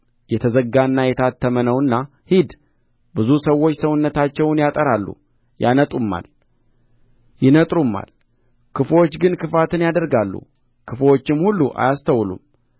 የተዘጋና የታተመ ነውና ሂድ ብዙ ሰዎች ሰውነታቸውን ያጠራሉ ያነጡማል ይነጥሩማል ክፉዎች ግን ክፋትን ያደርጋሉ ክፉዎችም ሁሉ አያስተውሉም